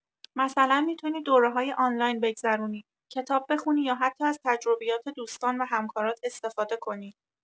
مثلا می‌تونی دوره‌های آنلاین بگذرونی، کتاب بخونی یا حتی از تجربیات دوستان و همکارات استفاده کنی.